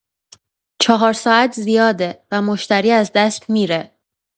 چهار ساعت زیاده و مشتری از دست می‌ره.